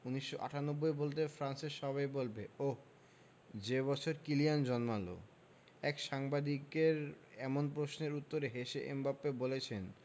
১৯৯৮ বলতে ফ্রান্সের সবাই বলবে ওহ্ যে বছর কিলিয়ান জন্মাল এক সাংবাদিকের এমন প্রশ্নের উত্তরে হেসে এমবাপ্পে বলেছেন